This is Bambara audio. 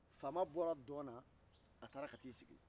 faama bɔra dɔn na a taara ka taa i sigi